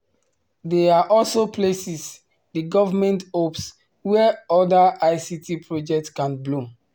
They are also places, the government hopes, where other ICT projects can bloom.